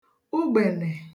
ugbènè